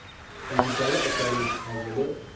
yigitali akaning hazili